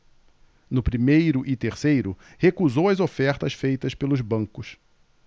no primeiro e terceiro recusou as ofertas feitas pelos bancos